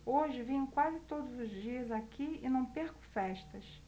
hoje venho quase todos os dias aqui e não perco festas